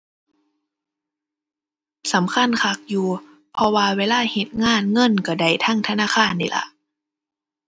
สำคัญคักอยู่ เพราะว่าเวลาเฮ็ดงาน เงินก็ได้ทางธนาคารนี่ล่ะ